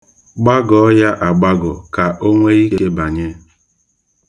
Gbagọọ ya agbagọ ka o nwee ike banye.